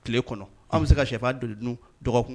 Tile kɔnɔ an bɛ se ka shɛ dun dɔgɔkun